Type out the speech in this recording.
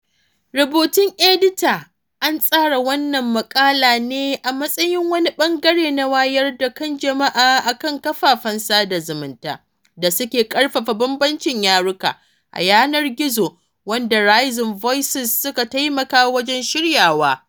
Rubutun Edita: An tsara wannan maƙala ne a matsayin wani ɓangare na wayar da kan jama'a akan kafafen sada zumunta da suke ƙarfafa bambancin yaruka a yanar-gizo, wanda Rising Voices suka taimaka wajen shiryawa.